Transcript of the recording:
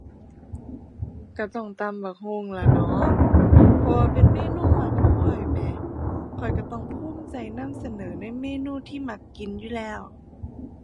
ก็ต้องตำบักหุ่งล่ะเนาะ เพราะว่าเป็นเมนูมักของข้อยแหม ข้อยก็ต้องภูมิใจนำเสนอในเมนูที่มักกินอยู่แล้ว